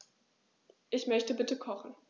Ich möchte bitte kochen.